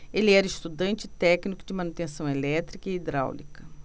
ele era estudante e técnico de manutenção elétrica e hidráulica